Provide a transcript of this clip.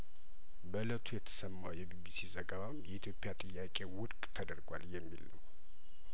በእለቱ የተሰማው የቢቢሲ ዘገባም የኢትዮጵያ ጥያቄ ውድቅ ተደርጓል የሚል ነው